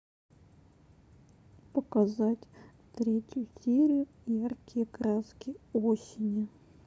показать третью серию яркие краски осени